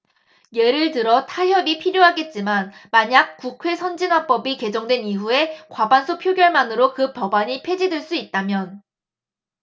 예를 들어 타협이 필요하겠지만 만약 국회선진화법이 개정된 이후에 과반수 표결만으로 그 법안이 폐지될 수 있다면